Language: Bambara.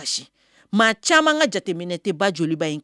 Joli